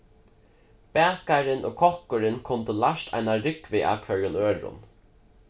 bakarin og kokkurin kundu lært eina rúgvu av hvørjum øðrum